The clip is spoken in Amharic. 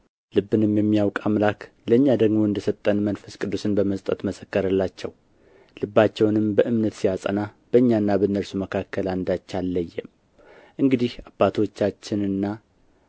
ልብንም የሚያውቅ አምላክ ለእኛ ደግሞ እንደ ሰጠን መንፈስ ቅዱስን በመስጠት መሰከረላቸው ልባቸውንም በእምነት ሲያነጻ በእኛና በእነርሱ መካከል አንዳች አልለየም እንግዲህ አባቶቻችንና